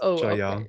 O, ocê... Joio.